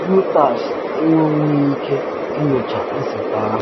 Reuters enwenwughi ike inyocha nseta ahụ.